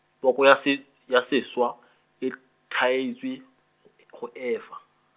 poko ya se-, ya seswa, e thaetswe, g- e-, go e fa?